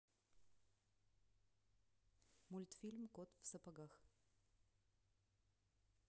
мультфильм кот в сапогах